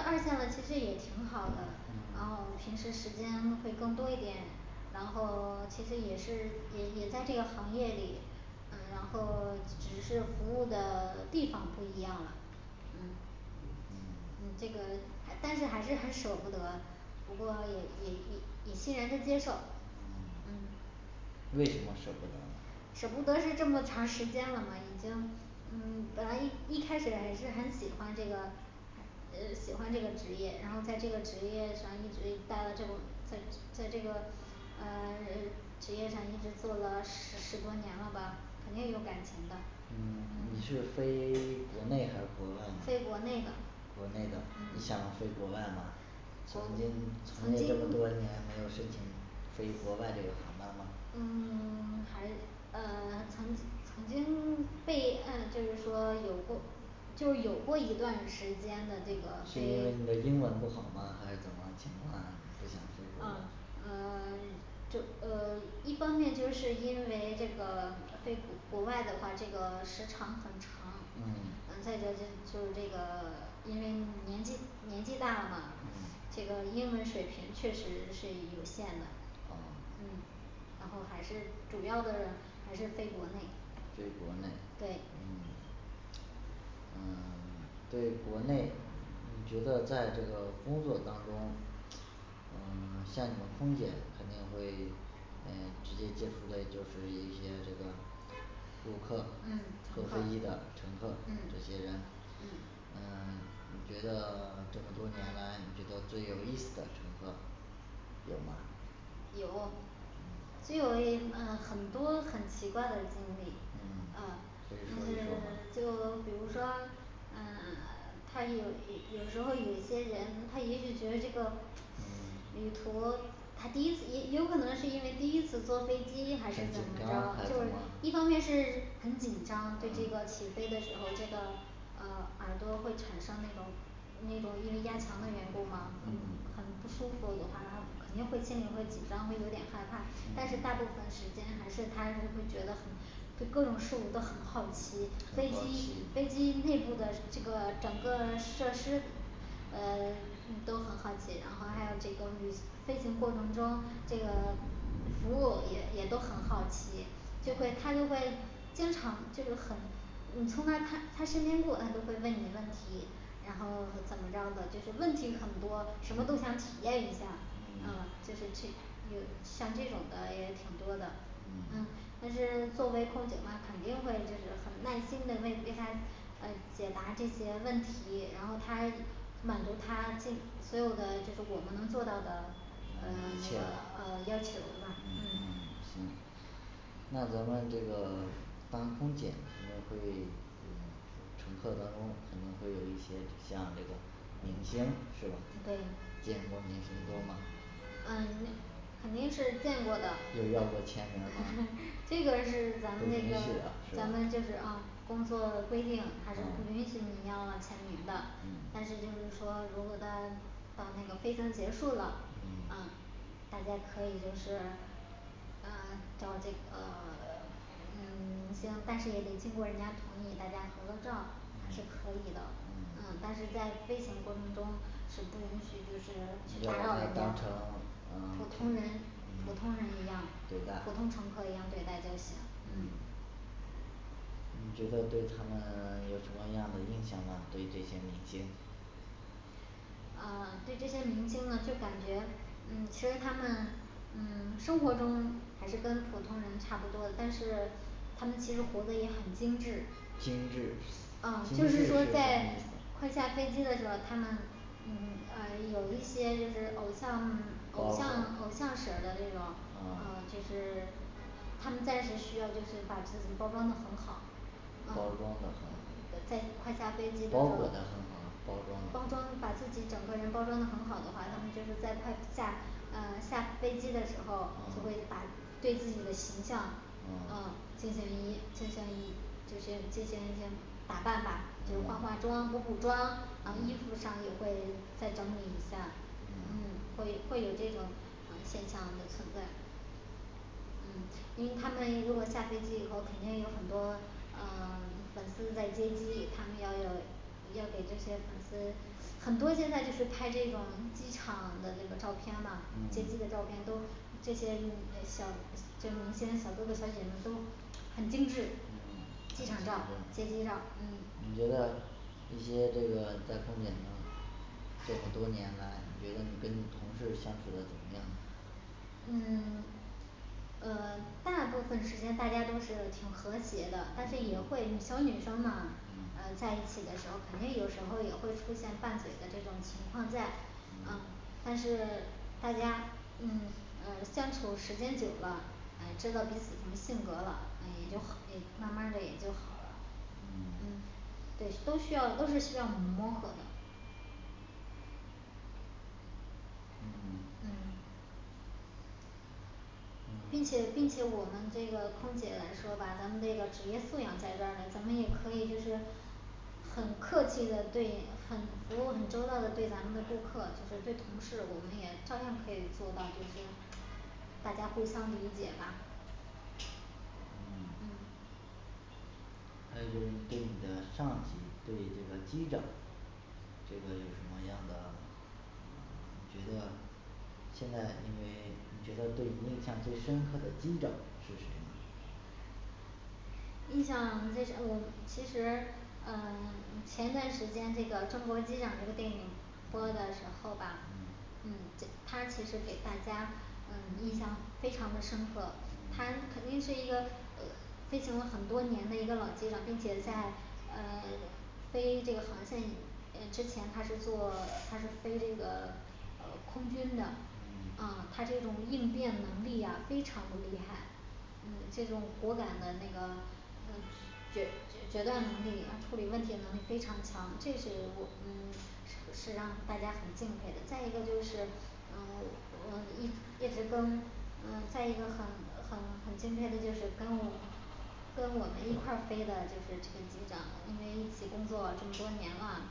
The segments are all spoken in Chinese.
二线了，其实也挺好的，然后平时时间她会更多一点，然后其实也是也也在这个行业里嗯然后只是服务的地方不一样了，嗯嗯嗯这个但是还是很舍不得，不过也也也欣然的接受嗯嗯为什么舍不得？舍不得是这么长时间了嘛已经嗯本来一一开始还是很喜欢这个呃喜欢这个职业然后在这个职业上一直待了这个呃在这个呃 职业上一直做了十十多年了吧，肯定有感情的嗯你嗯是飞 国内还是国飞外国内的国内的，你想飞国外吗曾经国曾过这么多经年还没有申请飞国外这个航班吗嗯 还是呃曾曾经 被嗯就是说有过就是有过一段时间的这个你飞，是英文不好吗还是怎么情况啊不想飞国外啊嗯 这呃一方面就是因为这个飞国 国外的话这个时长很长而嗯再一个这就是这个 因为年纪年纪大了嘛，嗯这个英文水平确实是有限的啊嗯然后还是主要的还是飞国内对飞国内对嗯嗯 对国内你觉得在这个工作当中，嗯 像你空姐肯定会嗯直接接触的就是一些这个顾客嗯，乘坐客飞机的乘客这嗯些人嗯，嗯你觉得这么多年来你觉得最有意思的乘客有吗？有只嗯有诶嗯很多很奇怪的经历。嗯嗯可就以是说 说吗就比如说嗯 他有有有时候有些人他也许觉得这个旅嗯途他第一次也 也有可能是因为第一次坐飞机还是怎么着，就是一方面是很紧张，对这个起飞的时候这个呃耳朵会产生那种那种因为压强的缘故吗很嗯很不舒服的话，肯定会心里会紧张，会有点害怕，但是大部嗯分时间还是他就会觉得对各种事物都很好奇，很飞好机飞奇机内部的这个整个设施呃嗯都很好奇，然后还有这个旅飞行过程中，这个服务也也都很好奇，就会他就会经常就是很你从那儿他他身边过他都会问你问题，然后怎么着的就是问题很多什么都想体验一下，嗯嗯就是去有像这种的也挺多的，嗯嗯但是作为空姐话肯定会就是很耐心的为为他呃解答这些问题，然后他满足他这所有的就是我们能做到呃那个呃要求吧嗯嗯嗯行那咱们这个当空姐肯定会。嗯乘客当中可能会有一些像这个明星是吧对？见过的明星多吗嗯那肯定是见过的也要过签名吗 这个有规是咱们那矩的个是咱们就是吧嗯工作规定还是不允许你要签名的。但是就是说如果他等那个飞行结束了啊大家可以就是啊找这个呃 明星，但是也得经过人家同意，大家合个照儿还是可嗯以的嗯嗯但是在飞行过程中是不允许就是去就打把扰他人家当成，普通人普通人一样对待，普通乘客一样对待就行嗯嗯你觉得对他们 有什么样的印象呢？对这些明星啊对这些明星呢就感觉嗯其实他们嗯生活中还是跟普通人差不多但是他们其实活得也很精致精致，啊精就致是是什么说意思在快下飞机的时候，他们嗯呃有一些就是偶像 偶弄弄像头偶发像式儿的那种就嗯是，他们暂时需要就是把自己包装得很好包装得啊很好在 快下飞机的时包候裹的很好包包装装的把自己整个人包装得很好的话，他们就是在快下啊下飞机的时候，就会嗯把对自己的形象嗯嗯进行一进行一这些进行一下打扮吧，就化化嗯妆、补补妆，然后衣服上也会再整理一下，嗯嗯会会有这种嗯现象的存在。嗯因他们如果下飞机以后肯定有很多呃 粉丝在接机，他们要有要给这些粉丝很多现在就是拍这种机场的那个照片嘛，接机的照嗯片都这些嗯 小跟明星小哥哥小姐姐们都很精致嗯，机场照接机照嗯你觉得一些这个在空姐这么多年来，你觉得你跟你同事相处的怎么样呢嗯 呃大部分时间大家都是挺和谐的，但是也会小女生嘛呃嗯在一起的时候，肯定有时候也会出现拌嘴的这种情况在，嗯嗯但是大家嗯呃相处时间久了，嗯知道彼此什么性格了，诶也就诶慢慢儿的也就好了嗯嗯。对，都需要都是需要磨合的。嗯嗯并且并且我们这个空姐来说吧，咱们那个职业素养在这儿呢，咱们也可以就是很客气的对很服务很周到的对咱们的顾客，就是对同事，我们也照样可以做到就是。大家互相理解吧？嗯嗯还有就是你对你的上级对这个机长这个有什么样的你觉得现在因为你觉得对你印象特别深刻的机长是谁呢印象最深 我其实呃前一段时间这个中国机长这个电影播的时候吧嗯，嗯他其实给大家嗯印象非常的深刻，他嗯肯定是一个呃 飞行了很多年的一个老机长，并且在呃 飞这个航线以呃之前他是做 他是飞这个空军的，嗯嗯他这种应变能力呀非常的厉害，嗯这种果敢的那个呃 决决 决断能力呃处理问题的能力非常强，这是我们是让大家很敬佩的。再一个就是嗯我一一直跟嗯再一个很很很敬佩的就是跟我跟我们一块儿飞的就是这个机长，因为一起工作这么多年了，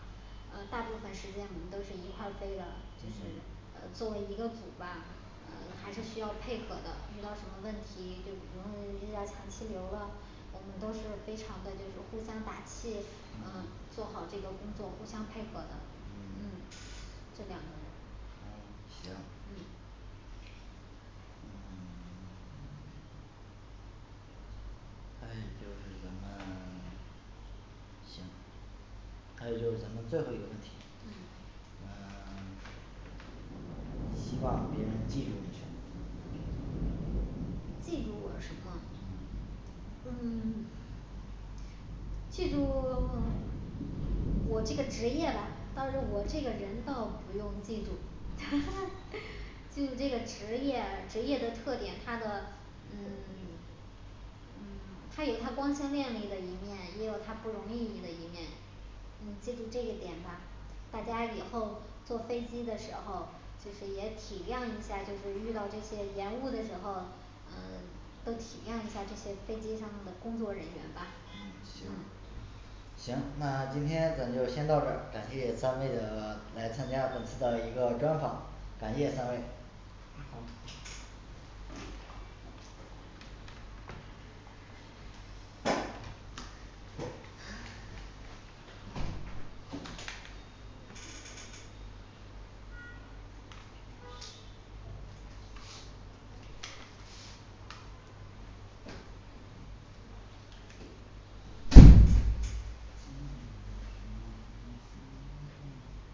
呃大部分时间我们都是一块儿飞的，就是嗯呃作为一个组吧呃还是需要配合的，遇到什么问题，就比如遇到强气流儿了我们都是非常的这个互相打气，嗯做好这个工作互相配合的。嗯嗯这两个人嗯行嗯嗯 还有就是咱们行还有就是咱们最后一个问题嗯，嗯你希望别人记住你什么嗯记住我什么嗯嗯 记住我 我这个职业呗，倒是我这个人倒不用记住， 记住这个职业职业的特点，它的嗯 嗯它有它光鲜亮丽的一面，也有它不容易易的一面嗯记住这一点吧，大家以后坐飞机的时候就是也体谅一下，就是遇到这些延误的时候，嗯都体谅一下这些飞机上的工作人员吧嗯行嗯行，那今天咱就先到这儿感谢三位的来参加本次的一个专访。感谢三位好